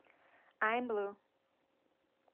i'm blue